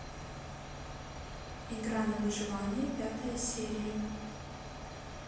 игра на выживание пятая серия